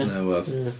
Neu rywbeth.